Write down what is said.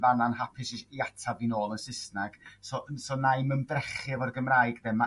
fana yn hapus i si- ii atab fi'n ôl yn Susnag so so na'i'm ymdrechu efo'r Gymraeg de?